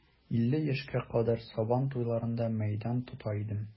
Илле яшькә кадәр сабан туйларында мәйдан тота идем.